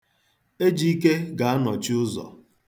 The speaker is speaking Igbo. Ejike ga-anọchi ụzọ.